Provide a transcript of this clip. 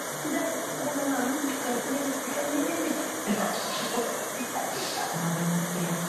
Oedd. Ynde? Oddan n'w ofn acor y ffenestri cofn ni fyn' nici? Ma' 'na ddirnodia